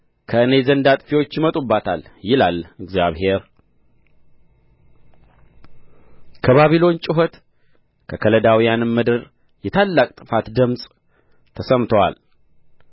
ከእኔ ዘንድ አጥፊዎች ይመጡባታል ይላል እግዚአብሔር ከባቢሎን ጩኸት ከከለዳውያንም ምድር የታላቅ ጥፋት ድምፅ ተሰምቶአል